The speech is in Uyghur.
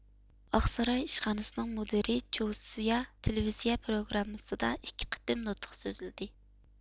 ئاقساراي ئىشخانىسىنىڭ مۇدىرى چوۋسۇيا تېلېۋىزىيە پروگراممىسىدا ئىككى قېتىم نۇتۇق سۆزلىدى